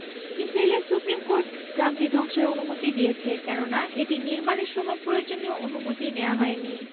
ইসরাইলের supreme court গ্রামটি ধ্বংসের অনুমতি দিয়েছে কেননা এটি নির্মাণের সময় প্রয়োজনীয় অনুমতি নেওয়া হয়নি